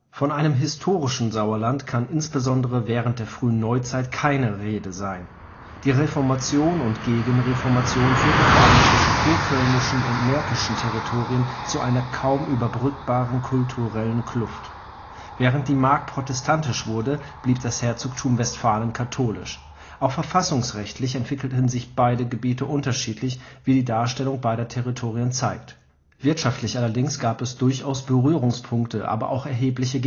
Von einem historischen Sauerland kann insbesondere während der frühen Neuzeit keine Rede sein. Die Reformation und Gegenreformation führte vor allem zwischen kurkölnischen und märkischen Territorien zu einer kaum überbrückbaren kulturellen Kluft. Während die Mark protestantisch wurde, blieb das Herzogtum Westfalen katholisch. Auch verfassungsrechtlich entwickelten sich beide Gebiete unterschiedlich, wie die Darstellung beider Territorien zeigt. Herzogtum Westfalen in einer Karte Westfalens aus dem 18. Jahrhundert Wirtschaftlich allerdings gab es durchaus Berührungspunkte, aber auch erhebliche